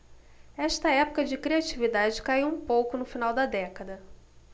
esta época de criatividade caiu um pouco no final da década